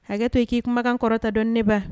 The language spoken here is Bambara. Hakɛ to i k'i kumagan kɔrɔta dɔn neba